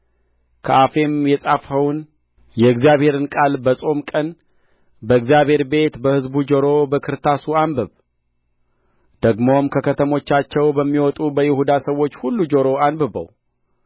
ከአፌም የጻፍኸውን የእግዚአብሔርን ቃል በጾም ቀን በእግዚአብሔር ቤት በሕዝቡ ጆር በክርታሱ አንብብ ደግሞም ከከተሞቻቸው በሚወጡ በይሁዳ ሰዎች ሁሉ ጆሮ አንብበው